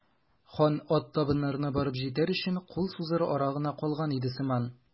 Хан ат табыннарына барып җитәр өчен кул сузыр ара гына калган иде сыман.